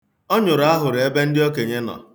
Ọ nyụrụ ahụrụ ebe ndị okenye nọ.